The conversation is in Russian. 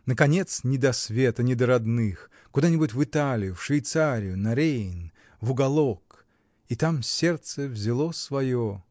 наконец не до света, не до родных: куда-нибудь в Италию, в Швейцарию, на Рейн, в уголок, и там сердце взяло свое.